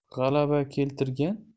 g'alaba keltirgan